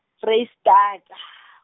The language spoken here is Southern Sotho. Foreisetata.